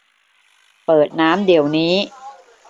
เปิดน้ำเดี๋ยวนี้